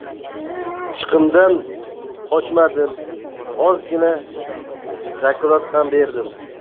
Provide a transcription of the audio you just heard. chiqimdan qochmadim ozgina zakalat ham berdim